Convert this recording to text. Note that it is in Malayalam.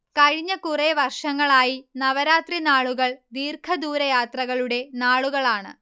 കഴിഞ്ഞ കുറേ വർഷങ്ങളായി നവരാത്രിനാളുകൾ ദീഘദൂരയാത്രകളുടെ നാളുകളാണ്